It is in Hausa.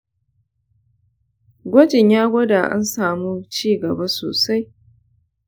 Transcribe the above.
gwajin ya gwada an samu cigaba sosai.